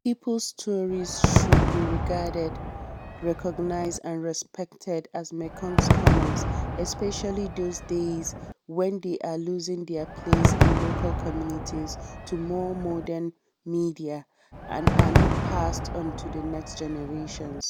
People’s stories should be regarded, recognized, and respected as Mekong’s commons, especially these days when they are losing their place in local communities to more modern media, and are not passed on to next generations.